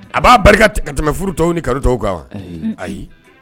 A b'a barika ka tɛmɛ furu tɔw ni kalo tɔw kan ayi